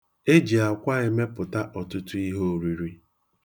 E ji akwa emepụta ọtụtụ ihe oriri.